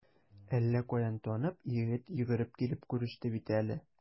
Әллә каян танып, егет йөгереп килеп күреште бит әле.